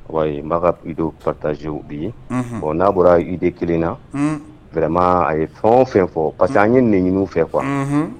N ido fataz bi yen ɔ n'a bɔra i de kelen na v a ye fɛnw fɛn fɔ pa que an ye ninɲini fɛ fɔ